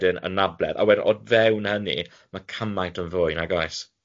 a wedyn anabledd, a wedyn o fewn hynny, ma' cymaint yn fwy nag oes?